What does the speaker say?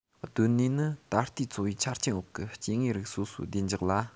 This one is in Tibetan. གདོད ནུས ནི ད ལྟའི འཚོ བའི ཆ རྐྱེན འོག གི སྐྱེ དངོས རིགས སོ སོའི བདེ འཇགས ལ